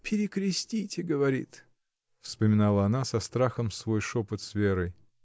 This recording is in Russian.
“Перекрестите!” говорит, — вспоминала она со страхом свой шепот с Верой.